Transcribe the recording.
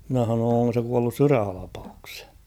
minä sanoin onko se kuollut sydänhalvaukseen